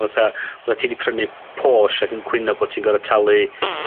fathaf oddat ti 'di prynu Porche ac yn cwyno bo' ti'n gorod talu